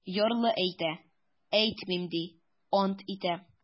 Ярлы әйтә: - әйтмим, - ди, ант итә.